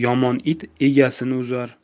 yomon it egasini uzar